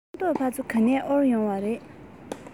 ཤིང ཏོག ཕ ཚོ ག ནས དབོར ཡོང བ རེད